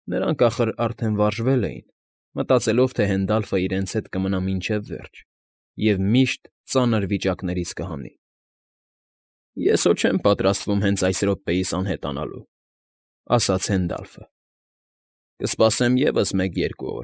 Նրանք, ախր, արդեն վարժվել էին, մտածելով, որ Հենդալֆն իրենց հետ կմնա մինչև վրեջ և միշտ ծանր վիճակներից կհանի։ ֊ Ես հո չեմ պատրաստվում այս րոպեիս անհետանալու,֊ ասաց Հենդալֆը։֊ Կսպասեմ ևս մեկ֊երկու։